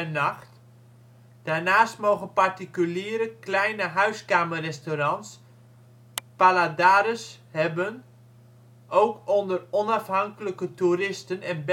nacht. Daarnaast mogen particulieren kleine huiskamerrestaurants, paladares, hebben. Ook onder onafhankelijke toeristen en